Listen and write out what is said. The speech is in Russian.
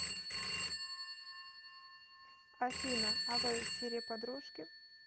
афина а вы сири подружки